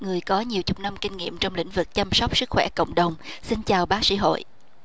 người có nhiều chục năm kinh nghiệm trong lĩnh vực chăm sóc sức khỏe cộng đồng xin chào bác sĩ hội